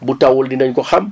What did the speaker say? bu tawul dinañ ko xam